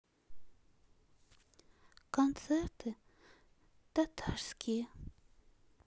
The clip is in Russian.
концерты татарские